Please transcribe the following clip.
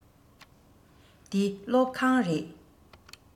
འདི སློབ ཁང རེད